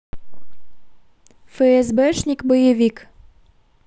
фсбшник боевик